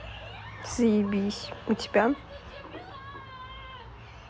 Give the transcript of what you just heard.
заебись у тебя